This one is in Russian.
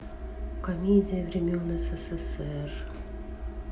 комедии времен ссср